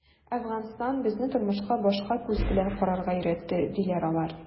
“әфганстан безне тормышка башка күз белән карарга өйрәтте”, - диләр алар.